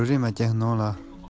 གསུམ པོ ལ སྐད ཆ ཚིག